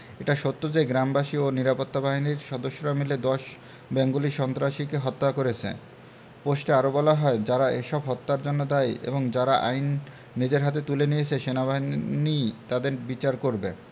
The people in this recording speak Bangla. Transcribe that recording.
এটা সত্য যে গ্রামবাসী ও নিরাপত্তা বাহিনীর সদস্যরা মিলে ১০ বেঙ্গলি সন্ত্রাসীকে হত্যা করেছে পোস্টে আরো বলা হয় যারা এসব হত্যার জন্য দায়ী এবং যারা আইন নিজের হাতে তুলে নিয়েছে সেনাবাহিনী তাদের বিচার করবে